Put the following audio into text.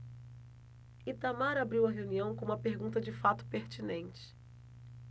itamar abriu a reunião com uma pergunta de fato pertinente